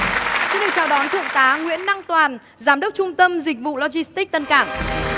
xin được chào đón thượng tá nguyễn năng toàn giám đốc trung tâm dịch vụ lo gi tích tân cảng